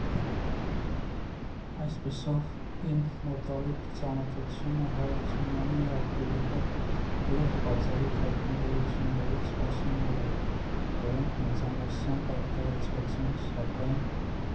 Այսպիսով, իմ մոտալուտ ծանոթությունը Հարությունյանի արխիվի հետ լի էր բացառիկ հայտնաբերությունների սպասումներով, որոնք մեծամասամբ արդարացվեցին, սակայն…